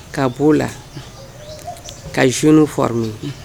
Ka b'o la ka zoni f min